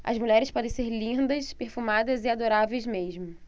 as mulheres podem ser lindas perfumadas e adoráveis mesmo